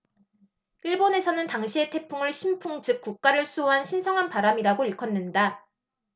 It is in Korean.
일본에서는 당시의 태풍을 신풍 즉 국가를 수호한 신성한 바람이라고 일컫는다